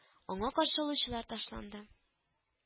Аңа каршы алучылар ташланды